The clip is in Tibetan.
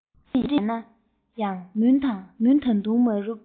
མཚམས སྤྲིན ཡལ ན ཡང མུན ད དུང མ རུབ